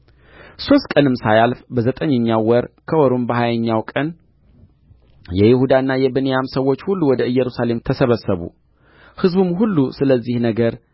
ሦስት ቀንም ሳያልፍ በዘጠኝኛው ወር ከወሩም በሀያኛው ቀን የይሁዳና የብንያም ሰዎች ሁሉ ወደ ኢየሩሳሌም ተሰበሰቡ ሕዝቡም ሁሉ ስለዚህ ነገርና